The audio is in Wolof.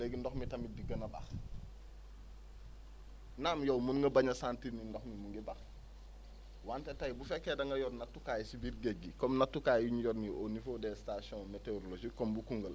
léegi ndox mi tamit di gën a bax naam yow mun nga bañ a sentir ni ndox mi mu ngi bax wante tey bu fekkee da nga yor nattukaay si biir géej gi comme natukaay yi ñu yor nii au niveau des stations météorologiques comme bu Koungheul